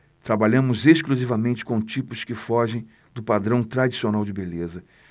trabalhamos exclusivamente com tipos que fogem do padrão tradicional de beleza